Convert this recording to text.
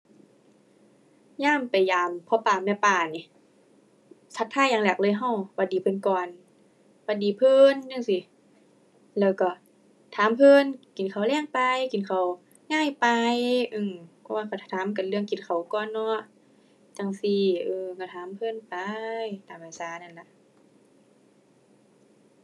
ยามไปยามพ่อป้าแม่ป้านี่ ทักทายอย่างแรกเลยเรา หวัดดีเพิ่นก่อน หวัดดีเพิ่นจั่งซี้ แล้วก็ถามเพิ่น กินข้าวแลงไป กินข้าวงายไป อื้อ เพราะว่าเขาจะถามกันเรื่องกินข้าวก่อนเนาะ จั่งซี้ เออ เราถามเพิ่นไปตามประสานั่นล่ะ